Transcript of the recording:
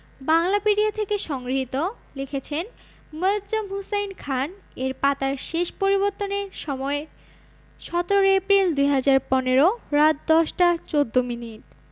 বাংলাপিডিয়া থেকে সংগ্রহীত লিখেছেনঃ মুয়ায্ যম হুসাইন খান এর পাতার শেষ পরিবর্তনের সময়ঃ ১৭ এপ্রিল ২০১৫রাত ১০টা ১৪ মিনিট